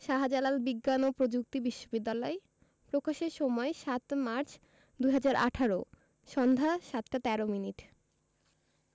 শাহজালাল বিজ্ঞান ও প্রযুক্তি বিশ্ববিদ্যালয় প্রকাশের সময় ০৭মার্চ ২০১৮ সন্ধ্যা ৭টা ১৩ মিনিট